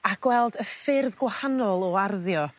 A gweld y ffyrdd gwahanol o arddio.